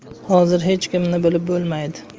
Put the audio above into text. hozir hech kimni bilib bo'lmaydi